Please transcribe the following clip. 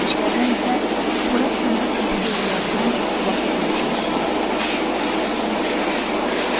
ichkaridan esapo'lat sandiq qulfiga urilayotgan bolta tovush eshitiladi